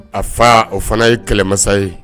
A fa o fana ye kɛlɛmasa ye